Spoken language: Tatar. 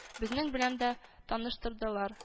Безнең белән дә таныштырдылар